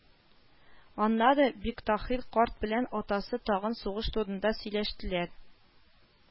Аннары Биктаһир карт белән атасы тагын сугыш турында сөйләштеләр